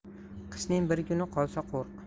qishning bir kuni qolsa qo'rq